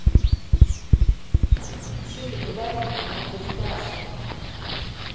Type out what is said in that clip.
че ты говорить он такой спрашивает